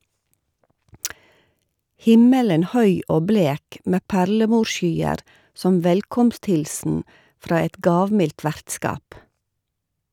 Himmelen høy og blek, med perlemorsskyer som velkomsthilsen fra et gavmildt vertskap.